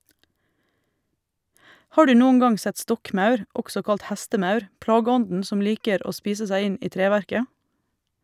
Har du noen gang sett stokkmaur, også kalt hestemaur, plageånden som liker å spise seg inn i treverket?